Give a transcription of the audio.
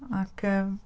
Ag yym...